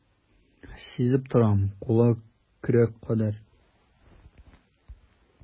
Сизеп торам, кулы көрәк кадәр.